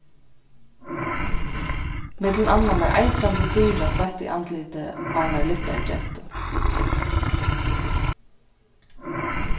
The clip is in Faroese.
millum annað varð eitrandi sýra tveitt í andlitið á einari littari gentu